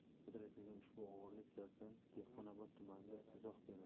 sodir etilgan ushbu o'g'irlik yuzasidan dehqonobod tumanida izoh berildi